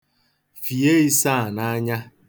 fìe ị̄sāā n'anya